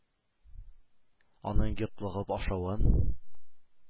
Аның йотлыгып ашавын